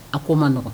A ko' n ma nɔgɔn